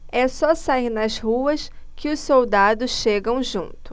é só sair nas ruas que os soldados chegam junto